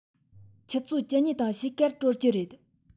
ཆུ ཚོད བཅུ གཉིས དང ཕྱེད ཀར གྲོལ གྱི རེད